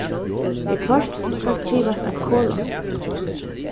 viðhvørt skal skrivast eitt kolon